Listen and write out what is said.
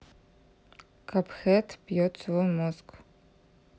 капхед пьет свой мозг